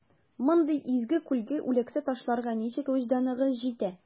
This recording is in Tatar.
Мондый изге күлгә үләксә ташларга ничек вөҗданыгыз җитә?